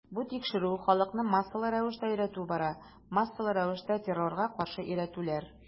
Бу тикшерү, халыкны массалы рәвештә өйрәтү бара, массалы рәвештә террорга каршы өйрәтүләр.